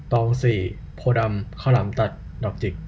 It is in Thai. ตองสี่โพธิ์ดำข้าวหลามตัดดอกจิก